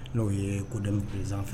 N'o ye kodensan fɛ